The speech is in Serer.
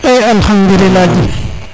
e alhadouliah